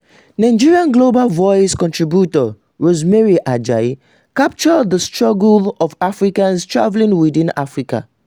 Nigerian Global Voices contributor Rosemary Ajayi captures the "struggle of Africans traveling within Africa":